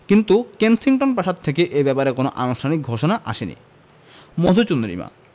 কিন্তু কেনসিংটন প্রাসাদ থেকে এ ব্যাপারে কোনো আনুষ্ঠানিক ঘোষণা আসেনি মধুচন্দ্রিমা